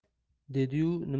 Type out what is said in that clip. dedi yu nima